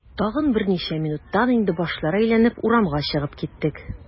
Тагын берничә минуттан инде башлар әйләнеп, урамга чыгып киттек.